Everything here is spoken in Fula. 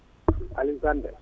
Aliou Kanté